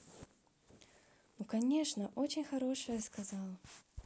ну конечно очень хорошее сказала